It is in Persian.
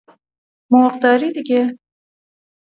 مرغداری دیگه.